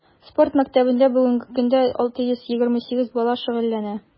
Спорт мәктәбендә бүгенге көндә 628 бала шөгыльләнә.